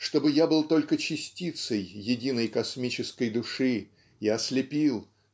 чтобы я был только частицей единой космической души и ослепил